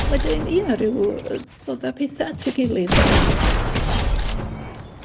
Wedyn, ia, ryw yy dod a petha at 'u gilydd fel 'a.